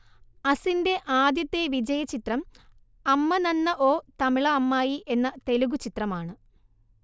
അസിൻറെ ആദ്യത്തെ വിജയചിത്രം അമ്മ നന്ന ഓ തമിള അമ്മായി എന്ന തെലുഗു ചിത്രമാണ്